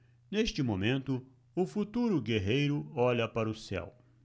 neste momento o futuro guerreiro olha para o céu